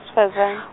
faza-.